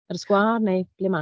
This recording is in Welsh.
Ar y sgwâr neu ble mae...?